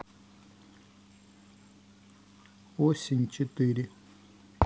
осень четыре